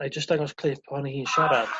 nai jyst dangos clip on i hi siarad